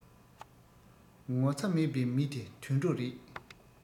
ངོ ཚ མེད པའི མི དེ དུད འགྲོ རེད